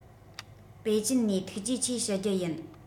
པེ ཅིན ནས ཐུགས རྗེ ཆེ ཞུ རྒྱུ ཡིན